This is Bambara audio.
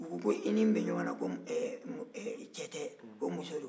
ko i ni min bɛ ɲɔgɔn na ko ɛɛ cɛ tɛ ko muso de don